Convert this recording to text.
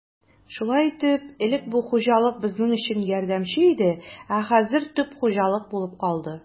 Шулай итеп, элек бу хуҗалык безнең өчен ярдәмче иде, ә хәзер төп хуҗалык булды.